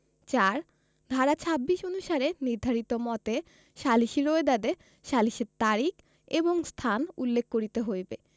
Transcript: ৪ ধারা ২৬ অনুসারে নির্ধারিত মতে সালিসী রোয়েদাদে সালিসের তারিখ এবং স্থান উল্লেখ করিতে হইবে